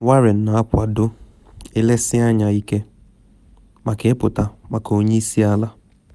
Warren na akwado ‘ịlenyesị anya ike’ maka ịpụta maka onye isi ala